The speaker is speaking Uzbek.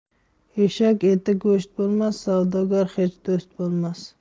eshak eti go'sht bo'lmas savdogar hech do'st bo'lmas